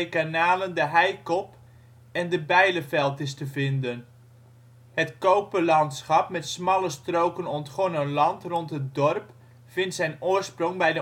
kanalen de Heicop en de Bijleveld is te vinden. Het cope-landschap met smalle stroken ontgonnen land rond het dorp vindt zijn oorsprong bij